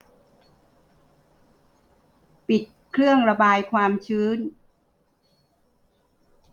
ปิดเครื่องระบายความชื้น